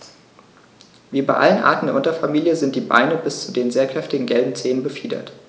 Wie bei allen Arten der Unterfamilie sind die Beine bis zu den sehr kräftigen gelben Zehen befiedert.